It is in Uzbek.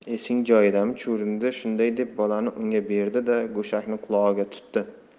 esing joyidami chuvrindi shunday deb bolani unga berdi da go'shakni qulog'iga tutdi